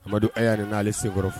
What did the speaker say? A y'a n'ale senkɔrɔ